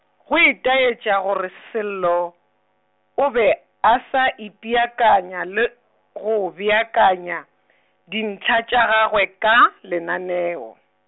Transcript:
go itaetša gore Sello, o be a sa ipeakanya le, go beakanya , dintlha tša gagwe ka, lenaneo.